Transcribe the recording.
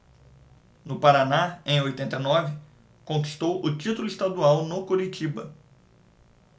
no paraná em oitenta e nove conquistou o título estadual no curitiba